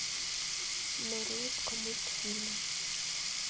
морозко мультфильм